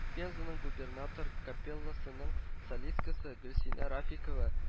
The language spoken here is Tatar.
Пензаның Губернатор копелласының солисткасы Гөлсинә Рафикова